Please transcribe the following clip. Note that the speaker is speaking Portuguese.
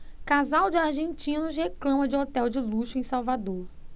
casal de argentinos reclama de hotel de luxo em salvador